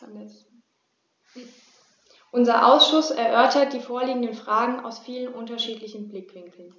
Unser Ausschuss erörtert die vorliegenden Fragen aus vielen unterschiedlichen Blickwinkeln.